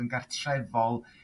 yn gartrefol